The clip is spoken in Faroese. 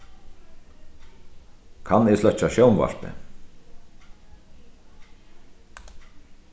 kann eg sløkkja sjónvarpið